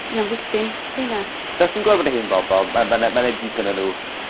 i amddiffyn rheina. Doesdim gormod o hen bobol ma' ma' 'na ma' 'na digon o n'w